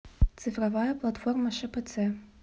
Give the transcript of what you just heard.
цифровая платформа шпц